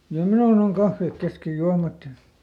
ja minun on kahvit kesken juomat ja